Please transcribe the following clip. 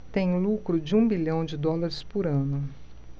tem lucro de um bilhão de dólares por ano